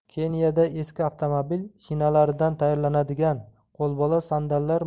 keniyada eski avtomobil shinalaridan tayyorlanadigan qo'lbola sandallar